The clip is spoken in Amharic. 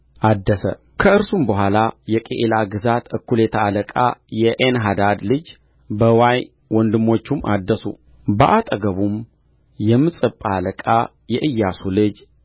አደሰ ከእርሱም በኋላ የቅዒላ ግዛት እኵሌታ አለቃ የኤንሐዳድ ልጅ በዋይ ወንድሞቹም አደሱ በአጠገቡም የምጽጳ አለቃ የኢያሱ ልጅ